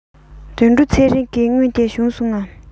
དོན གྲུབ ཚེ རིང གི དངུལ དེ བྱུང སོང ངས